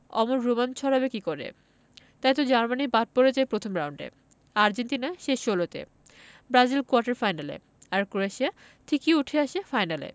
আর তা অমন রোমাঞ্চ ছড়াবে কী করে তাইতো জার্মানি বাদ পড়ে যায় প্রথম রাউন্ডে আর্জেন্টিনা শেষ ষোলোতে ব্রাজিল কোয়ার্টার ফাইনালে আর ক্রোয়েশিয়া ঠিকই উঠে আসে ফাইনালে